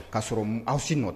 K'a sɔrɔ aw si nɔ